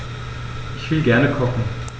Ich will gerne kochen.